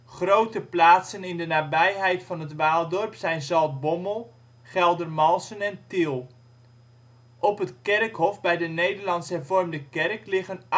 Grote plaatsen in de nabijheid van het Waal-dorp zijn Zaltbommel, Geldermalsen en Tiel. Op het kerkhof bij de Nederlands-hervormde kerk liggen